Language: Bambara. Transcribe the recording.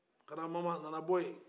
garaba mama a nana bɔ yen